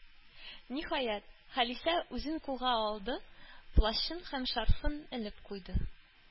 Ниһаять, Халисә үзен кулга алды, плащын һәм шарфын элеп куйды.